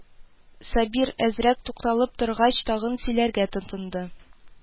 Сабир, әзрәк тукталып торгач, тагын сөйләргә тотынды: